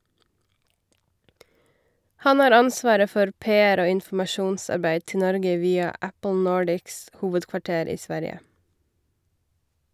Han har ansvaret for PR- og informasjonsarbeid til Norge via Apple Nordics hovedkvarter i Sverige.